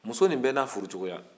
muso nin bɛɛ na furu cogoya